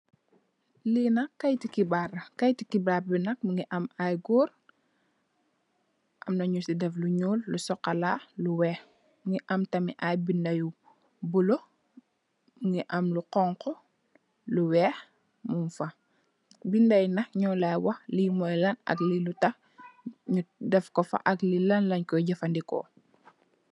Liinak kaiiti xibarr la, kaiiti xibarr bi nak mungi amm ayy gorr Amna nyusi deff lu nyul, lu socola, lu wekh. Mungi am tam ayy binda yu bulo, mungi am lu xonxu, lu wekh mungfa. Bindayi nak nyola wah lii Moy lan, ak lii lutah nitt defkofa, ak lii lunyko jefandiko .